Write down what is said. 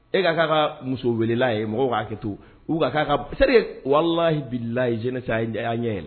E ka'a ka muso welela ye mɔgɔ'a hakɛ kɛ to ua ka se walahila i j sa y'a ɲɛ ye